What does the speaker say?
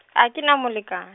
a kena molekane.